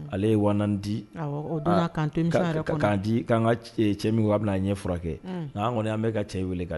Ale ye w di' cɛ min a bɛna a ɲɛ furakɛ nka an kɔni an bɛka ka cɛ weele kan